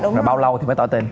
rồi bao lâu thì mới tỏ tình